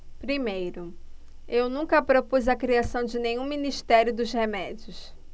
primeiro eu nunca propus a criação de nenhum ministério dos remédios